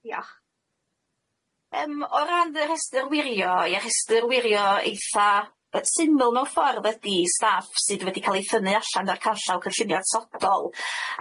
Diolch. Yym o ran dy rhestyr wirio ie rhestyr wirio eitha yy syml mewn ffordd ydi staff sydd wedi ca'l eu thynnu allan o'r carllaw cynllunio atodol.